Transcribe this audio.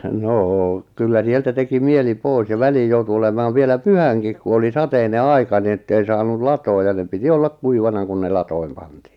no kyllä sieltä teki mieli pois ja väliin joutui olemaan vielä pyhänkin kun oli sateinen aika niin että ei saanut latoon ja ne piti olla kuivana kun ne latoihin pantiin